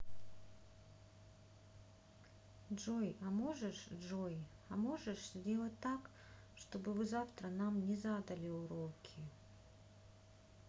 джой а можешь джой а можешь сделать так чтобы вы завтра нам не задали уроки